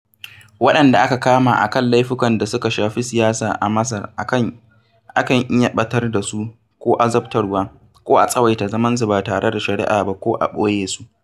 Waɗanda aka kama a kan laifukan da suka shafi siyasa a Masar a kan iya ɓatar da su ko azabtarwa ko a tsawaita zamansu ba tare da shari'a ba ko a ɓoye su.